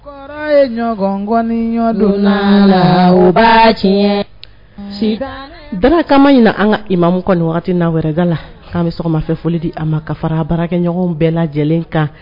Kɔrɔ yeɔnidon la u ba tiɲɛ bana kama in na an ka i mamu kɔni waati n'a wɛrɛda la k'an bɛ sɔgɔma fɛ foli di a ma ka fara baarakɛɲɔgɔn bɛɛ lajɛlen kan